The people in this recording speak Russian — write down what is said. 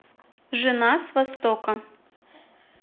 жена с востока